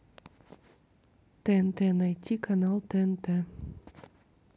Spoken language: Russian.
тнт найти канал тнт